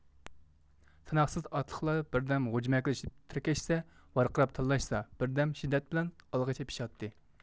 ساناقسىز ئاتلىقلار بىردەم غۇجمەكلىشىپ تىركەشسە ۋارقىراپ تىللاشسا بىردەم شىددەت بىلەن ئالغا چېپىشاتتى